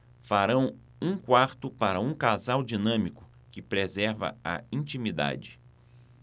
farão um quarto para um casal dinâmico que preserva a intimidade